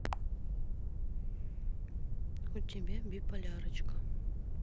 у тебя биполярочка